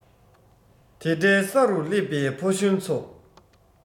དེ འདྲའི ས རུ སླེབས པའི ཕོ གཞོན ཚོ